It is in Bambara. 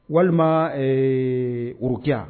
Walima ee Worokiya